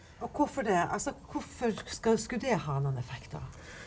og hvorfor det altså hvorfor skulle det ha noen effekt da?